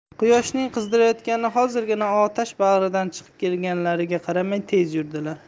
quyoshning qizdirayotgani hozirgina otash bag'ridan chiqib kelganlariga qaramay tez yurdilar